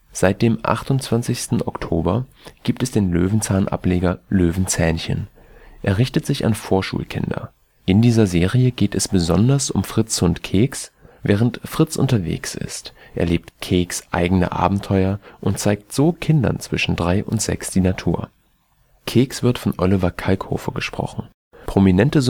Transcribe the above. Seit dem 28. Oktober gibt es den Löwenzahn-Ableger " Löwenzähnchen ". Er richtet sich an Vorschulkinder. In dieser Serie geht es besonders um Fritzs Hund Keks. Während Fritz unterwegs ist, erlebt Keks eigene Abenteuer und zeigt so Kindern zwischen 3 und 6 die Natur. Keks wird von Oliver Kalkofe gesprochen. Prominente